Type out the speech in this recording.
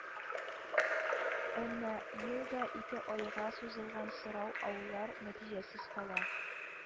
Әмма ел да ике айга сузылган сорау алулар нәтиҗәсез кала